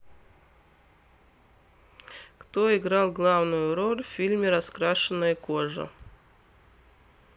кто играл главную роль в фильме раскрашенная кожа